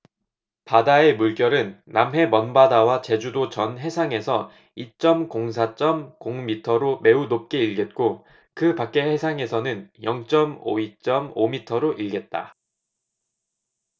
바다의 물결은 남해 먼바다와 제주도 전 해상에서 이 쩜 공 사 쩜 공 미터로 매우 높게 일겠고 그 밖의 해상에서는 영 쩜 오 이 쩜 오 미터로 일겠다